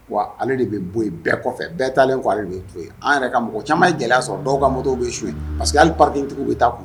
Wa ale de bɛ bɔ yen bɛɛ kɔfɛ, bɛɛ taalen kɔ ale de bɛ bɔ yen. An yɛrɛ ka mɔgɔ caaman yɛrɛ y'a sɔrɔ dɔw ka moto bɛ soɲɛ parce que hali parking tigi bɛ taa